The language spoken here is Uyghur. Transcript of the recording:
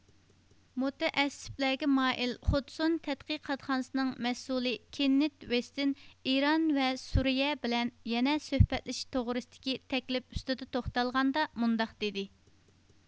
مۇتەئەسسىپلەرگە مايىل خودسۇن تەتقىقاتخانىسىنىڭ مەسئۇلى كېننېت ۋېستېن ئىران ۋە سۇرىيە بىلەن يەنە سۆھبەتلىشىش توغرىسىدىكى تەكلىپ ئۈستىدە توختالغاندا مۇنداق دېدى